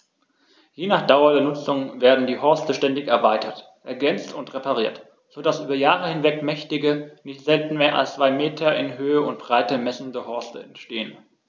Je nach Dauer der Nutzung werden die Horste ständig erweitert, ergänzt und repariert, so dass über Jahre hinweg mächtige, nicht selten mehr als zwei Meter in Höhe und Breite messende Horste entstehen.